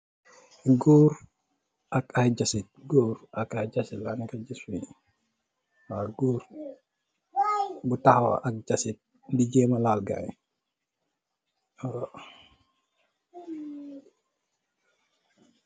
Goor ak ay jësit, waaw, Goor ak ay jësit. Goor bu taxaw ak ay jësit, di jeema Laal gaayi.